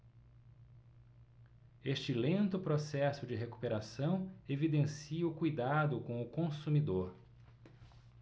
este lento processo de recuperação evidencia o cuidado com o consumidor